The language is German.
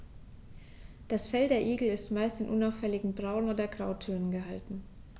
Das Fell der Igel ist meist in unauffälligen Braun- oder Grautönen gehalten.